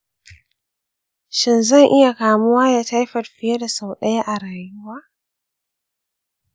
shin zan iya kamuwa da taifoid fiye da sau ɗaya a rayuwa?